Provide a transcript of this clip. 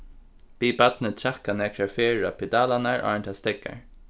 bið barnið traðka nakrar ferðir á pedalarnar áðrenn tað steðgar